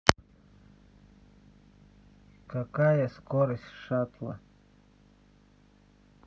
какая скорость шаттла